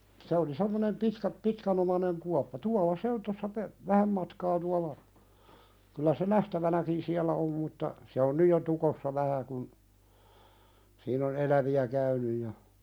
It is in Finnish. se oli semmoinen - pitkänomainen kuoppa tuolla se on tuossa - vähän matkaa tuolla kyllä se nähtävänäkin siellä on mutta se on nyt jo tukossa vähän kun siinä on eläviä käynyt ja